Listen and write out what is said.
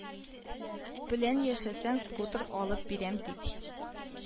Белән яшәсәң, скутер алып бирәм, дип